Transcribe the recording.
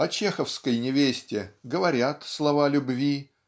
а чеховской невесте говорят слова любви